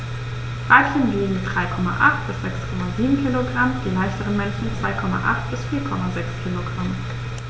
Weibchen wiegen 3,8 bis 6,7 kg, die leichteren Männchen 2,8 bis 4,6 kg.